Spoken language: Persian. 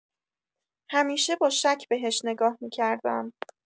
همیشه با شک بهش نگاه می‌کردم.